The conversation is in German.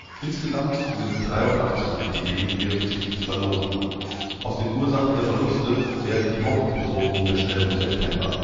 Insgesamt gingen 83 MTB während des Krieges verloren. Aus den Ursachen der Verluste werden die Hauptbedrohungen der Schnellboote erkennbar